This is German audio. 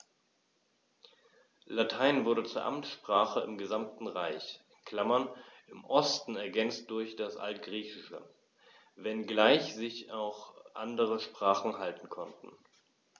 Latein wurde zur Amtssprache im gesamten Reich (im Osten ergänzt durch das Altgriechische), wenngleich sich auch andere Sprachen halten konnten.